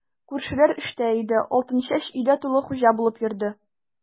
Күршеләр эштә иде, Алтынчәч өйдә тулы хуҗа булып йөрде.